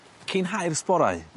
Cyn hau'r sborau